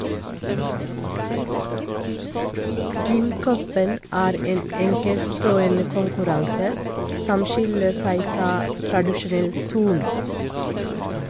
Gymcupen er en enkeltstående konkurranse som skiller seg fra tradisjonell turn.